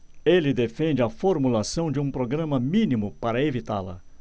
ele defende a formulação de um programa mínimo para evitá-la